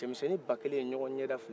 cɛmisɛnnin ba kelen ye ɲɔgɔn ɲɛda filɛ